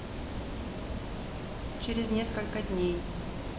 через сколько дней